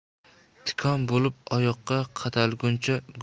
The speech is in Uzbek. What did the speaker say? tikan bo'lib oyoqqa qadalguncha